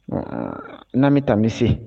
H n'an bɛ taa misi